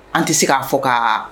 An tɛ se k'a fɔ ka